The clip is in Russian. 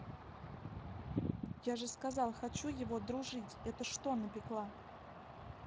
я же сказал хочу его дружить это что напекла